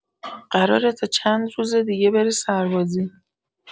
قراره تا چند روز دیگه بره سربازی